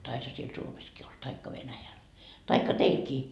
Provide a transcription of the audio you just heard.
taisihan siellä Suomessakin olla tai Venäjällä tai teilläkin